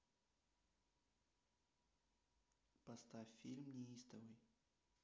поставь фильм неистовый